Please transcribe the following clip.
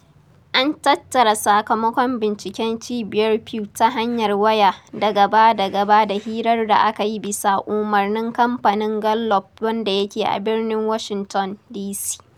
An tattara sakamakon binciken Cibiyar Pew ta hanyar waya da gaba-da-gaba da hirar da aka yi bisa umarnin Kamfanin Gallup wanda yake a birnin Washington, DC